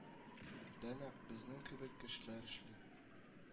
Да нәкъ безнең кебек кешеләр эшли